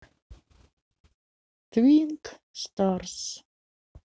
твинк старс